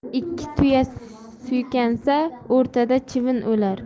ikki tuya suykansa o'rtada chivin o'lar